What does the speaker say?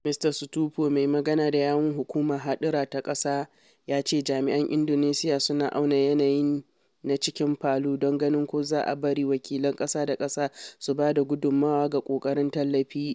Mista Sutopo, mai magana da yawun hukumar haɗura ta ƙasa, ya ce jami’an Indonesiya suna auna yanayin na cikin Palu don ganin ko za a bari wakilan ƙasa-da-ƙasa su ba da gudunmawa ga ƙoƙarin tallafi.